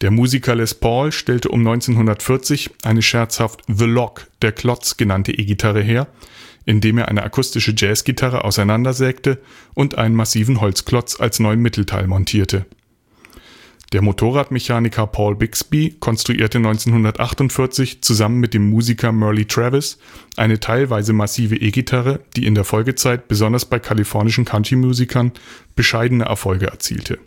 Musiker Les Paul stellte um 1940 eine scherzhaft „ The Log “(„ der Klotz “) genannte E-Gitarre her, indem er eine akustische Jazzgitarre auseinandersägte und einen massiven Holzklotz als neuen Mittelteil montierte. Der Motorradmechaniker Paul Bigsby konstruierte 1948 zusammen mit dem Musiker Merle Travis eine teilweise massive E-Gitarre, die in der Folgezeit besonders bei kalifornischen Countrymusikern bescheidene Erfolge erzielte